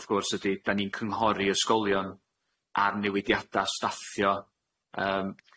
wrth gwrs ydi 'dan ni'n cynghori ysgolion ar newidiada staffio yym